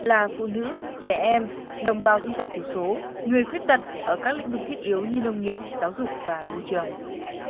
là phụ nữ trẻ em đồng bào dân tộc thiểu số người khuyết tật ở các lĩnh vực thiết yếu như nông nghiệp giáo dục và môi trường